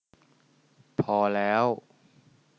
พอแล้ว